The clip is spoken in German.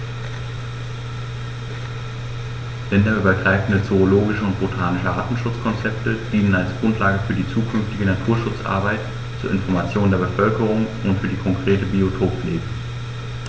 Länderübergreifende zoologische und botanische Artenschutzkonzepte dienen als Grundlage für die zukünftige Naturschutzarbeit, zur Information der Bevölkerung und für die konkrete Biotoppflege.